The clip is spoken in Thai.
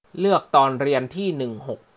เลือกตอนเรียนที่หนึ่งหก